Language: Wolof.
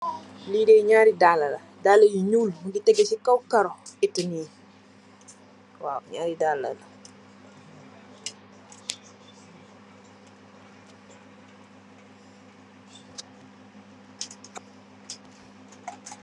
Lii deeh nyaari dala la. Dala yu nyuul, nyu ngi tegu si kaw karoh, eti nii. Waw, nyaari dala la.